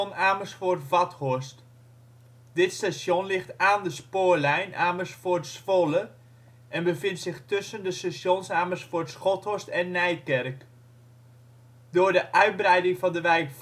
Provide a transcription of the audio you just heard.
Amersfoort Vathorst. Dit station ligt aan de spoorlijn Amersfoort - Zwolle en bevindt zich tussen de stations van Amersfoort-Schothorst en Nijkerk. Door de uitbreiding van de wijk